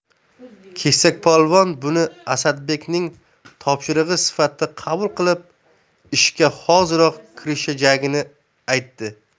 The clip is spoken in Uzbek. kesakpolvon buni asadbekning topshirig'i sifatida qabul qilib ishga hoziroq kirishajagini aytdi